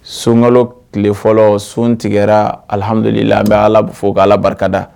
Sunkala tile fɔlɔ sun tigɛra alimududuli la an bɛ ala fo ko ala barikada